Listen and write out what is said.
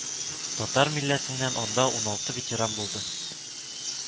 Татар милләтеннән анда уналты ветеран булды